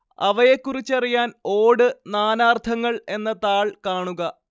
അവയെക്കുറിച്ചറിയാൻ ഓട് നാനാർത്ഥങ്ങൾ എന്ന താൾ കാണുക